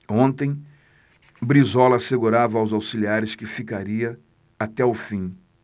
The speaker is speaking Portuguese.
ontem brizola assegurava aos auxiliares que ficaria até o fim